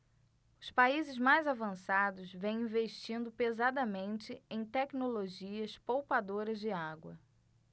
os países mais avançados vêm investindo pesadamente em tecnologias poupadoras de água